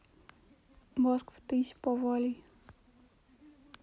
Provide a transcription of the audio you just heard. басков и таисия повалий